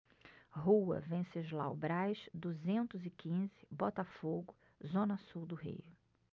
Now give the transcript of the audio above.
rua venceslau braz duzentos e quinze botafogo zona sul do rio